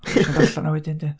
O'n i'n goro darllen o wedyn, de.